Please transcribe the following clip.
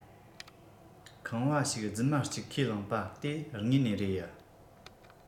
ཁང པ ཞིག རྫུན མ གཅིག ཁས བླངས པ དེ དངོས གནས རེད ཡ